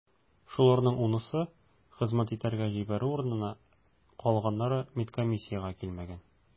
Шуларның унысы хезмәт итәргә җибәрү урынына, калганнары медкомиссиягә килмәгән.